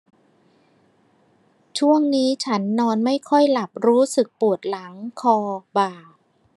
ช่วงนี้ฉันนอนไม่ค่อยหลับรู้สึกปวดหลังคอบ่า